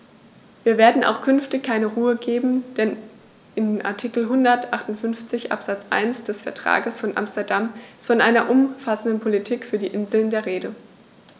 Wir werden auch künftig keine Ruhe geben, denn in Artikel 158 Absatz 1 des Vertrages von Amsterdam ist von einer umfassenden Politik für die Inseln die Rede.